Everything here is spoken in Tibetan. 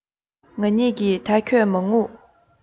ང གཉིས ཀྱིས ད ཁྱོད མ ངུ